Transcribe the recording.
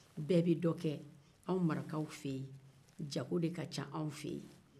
bɛɛ bɛ dɔ kɛ anw marakaw fe yen jago de ka ca anw fe yen